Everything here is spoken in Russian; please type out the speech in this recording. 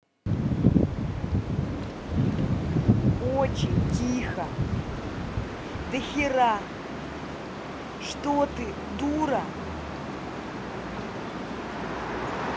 очень тихо дохера что ты дура